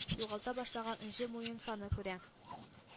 Югалта башлаган энҗе муенсаны күрә